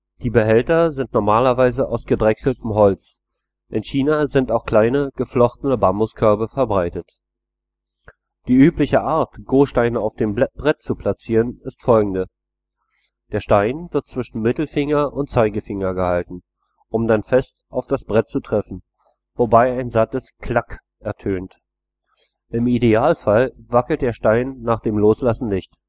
Die Behälter sind normalerweise aus gedrechseltem Holz, in China sind auch kleine geflochtene Bambuskörbe verbreitet. Die übliche Art, Go-Steine auf dem Brett zu platzieren, ist folgende: Der Stein wird zwischen Mittelfinger und Zeigefinger gehalten, um dann fest auf das Brett zu treffen, wobei ein sattes „ Klack “ertönt. Im Idealfall wackelt der Stein nach dem Loslassen nicht